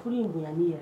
Furu ye bonyali ye